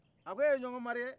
a ko e ye ɲɔngɔn mari ye